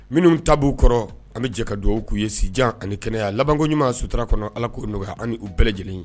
Minnu taabolo kɔrɔ an bɛ jɛ ka dugawu k'u ye sijan ani kɛnɛyaya labankoɲumanmaa sutura kɔnɔ ala k'o nɔgɔya an u bɛɛ lajɛlen ye